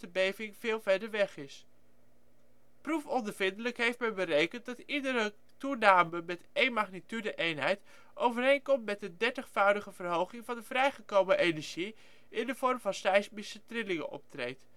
beving veel verder weg is. Proefondervindelijk heeft men berekend dat iedere toename met één magnitude-eenheid overeenkomt met een 30-voudige verhoging van de vrijgekomen energie in de vorm van seismische trillingen optreedt